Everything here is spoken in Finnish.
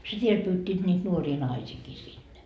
sitten vielä pyysivät niitä nuoria naisiakin sinne